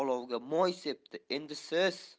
olovga moy sepdi endi siz